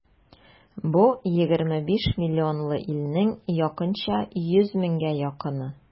Бу егерме биш миллионлы илнең якынча йөз меңгә якыны.